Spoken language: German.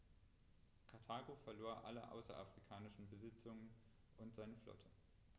Karthago verlor alle außerafrikanischen Besitzungen und seine Flotte.